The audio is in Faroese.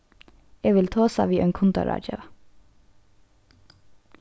eg vil tosa við ein kundaráðgeva